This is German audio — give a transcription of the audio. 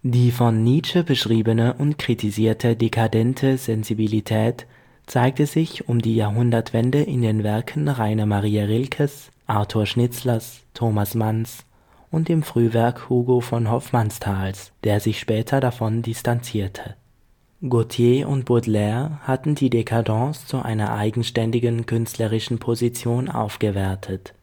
Die von Nietzsche beschriebene und kritisierte „ dekadente “Sensibilität zeigte sich um die Jahrhundertwende in den Werken Rainer Maria Rilkes, Arthur Schnitzlers, Thomas Manns, und im Frühwerk Hugo von Hofmannsthals, der sich später davon distanzierte. Gautier und Baudelaire hatten die Décadence zu einer eigenständigen künstlerischen Position aufgewertet